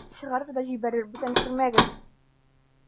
Чыгарыр да җибәрер: "Бүтән кермәгез!"